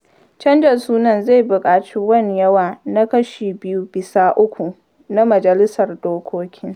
Canza sunan zai buƙaci wan yawa na kashi biyu bisa uku na majalisar dokokin.